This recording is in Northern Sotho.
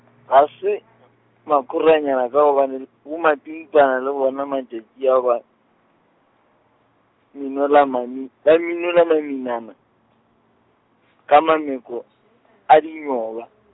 ga se , mokhoranyana ka gobane re, bomapimpana le bona matšatši a ba , e nwela mami-, ba minola mamina man-, ka mameko , a dinyoba.